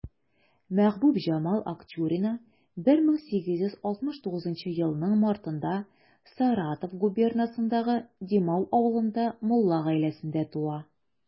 Мәхбүбҗамал Акчурина 1869 елның мартында Саратов губернасындагы Димау авылында мулла гаиләсендә туа.